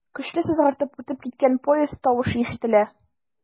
Көчле сызгыртып үтеп киткән поезд тавышы ишетелә.